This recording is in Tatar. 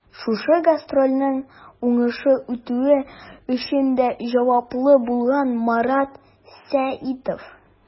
Шушы гастрольләрнең уңышлы үтүе өчен дә җаваплы булган Марат Сәитов.